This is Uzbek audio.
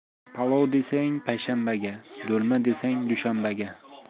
palov desang payshanbaga do'lma desang dushanbaga